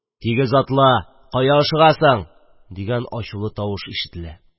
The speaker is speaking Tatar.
Тигез атла! Кая ашыгасың! – дигән ачулы тавыш ишетелә.